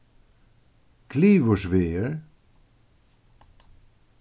glyvursvegur